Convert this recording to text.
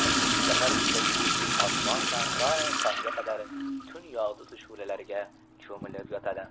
shahar uzra yulduzli osmon ham to tongga qadar tun yog'dusi shulalariga cho'milib yotadi